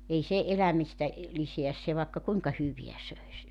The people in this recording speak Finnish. ei se elämistä lisää se vaikka kuinka hyvää söisi